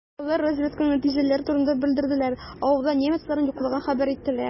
Алар разведканың нәтиҗәләре турында белдерделәр, авылда немецларның юклыгын хәбәр иттеләр.